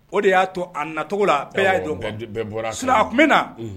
O de y'a to a nacogo la bɛɛ bɔra siran a tun bɛ na